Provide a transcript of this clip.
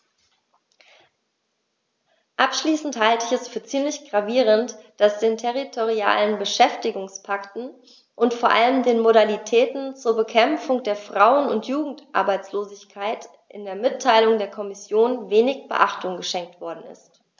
Abschließend halte ich es für ziemlich gravierend, dass den territorialen Beschäftigungspakten und vor allem den Modalitäten zur Bekämpfung der Frauen- und Jugendarbeitslosigkeit in der Mitteilung der Kommission wenig Beachtung geschenkt worden ist.